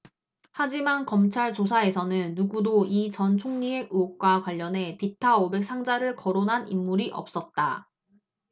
하지만 검찰 조사에서는 누구도 이 전 총리의 의혹과 관련해 비타 오백 상자를 거론한 인물이 없었다